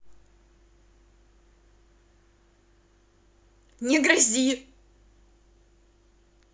не грози